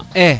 ey